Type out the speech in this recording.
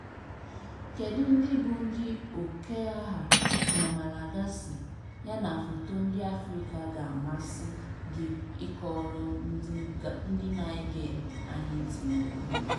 FN: Kedu ndị bụ ndị okeaha na Malagasy yana foto ndị Afrịka ga-amasị gị ịkọrọ ndị na-ege anyị ntị n'ụwa niile?